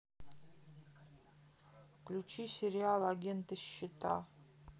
включи сериал агенты щита